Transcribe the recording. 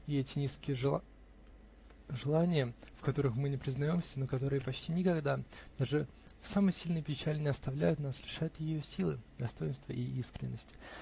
и эти низкие желания, в которых мы не признаемся, но которые почти никогда -- даже в самой сильной печали -- не оставляют нас, лишают ее силы, достоинства и искренности.